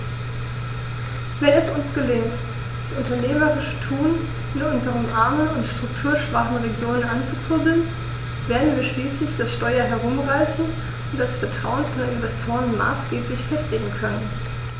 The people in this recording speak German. Wenn es uns gelingt, das unternehmerische Tun in unseren armen und strukturschwachen Regionen anzukurbeln, werden wir schließlich das Steuer herumreißen und das Vertrauen von Investoren maßgeblich festigen können.